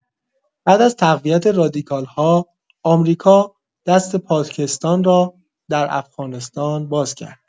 بعد از تقویت رادیکال‌ها، آمریکا دست پاکستان را در افغانستان باز کرد.